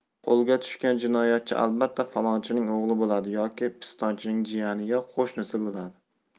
qo'lga tushgan jinoyatchi albatta falonchining o'g'li bo'ladi yoki pistonchining jiyani yo qo'shnisi bo'ladi